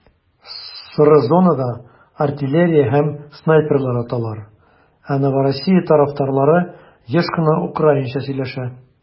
Соры зонада артиллерия һәм снайперлар аталар, ә Новороссия тарафтарлары еш кына украинча сөйләшә.